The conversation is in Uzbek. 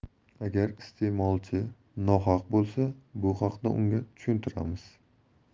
agar iste'molchi nohaq bo'lsa bu haqda unga tushuntiramiz